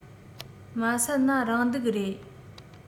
མ སད ན རང སྡུག རེད